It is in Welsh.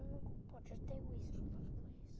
Dwi'm yn gwybod, jyst dewis rywbeth plîs.